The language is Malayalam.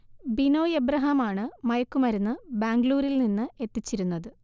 ബിനോയ് എബ്രഹാമാണ് മയക്കുമരുന്ന് ബാംഗ്ലൂരിൽ നിന്ന് എത്തിച്ചിരുന്നത്